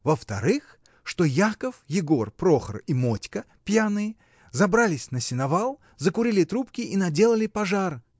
— Во-вторых, что Яков, Егор, Прохор и Мотька, пьяные, забрались на сеновал, закурили трубки и наделали пожар.